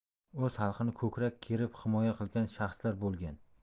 o'z xalqini ko'krak kerib himoya qilgan shaxslar bo'lgan